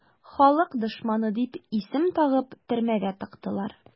"халык дошманы" дип исем тагып төрмәгә тыктылар.